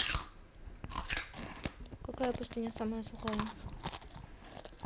какая пустыня самая сухая